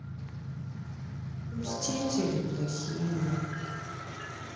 мстители плохие